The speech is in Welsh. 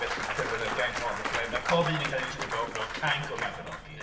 Felly defnyddio'r gainc hon. Felly mae pob un yn cael ei ddisgrifio fel cainc o'r Mabinogi.